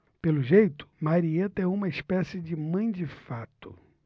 pelo jeito marieta é uma espécie de mãe de fato